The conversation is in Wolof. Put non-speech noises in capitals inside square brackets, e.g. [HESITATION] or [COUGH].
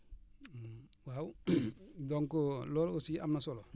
[HESITATION] [HESITATION] waaw [COUGHS] donc loolu aussi am na solo